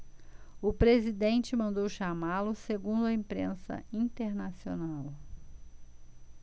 o presidente mandou chamá-lo segundo a imprensa internacional